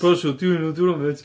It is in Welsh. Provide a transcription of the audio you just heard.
Praseodymium 'di hwnna mêt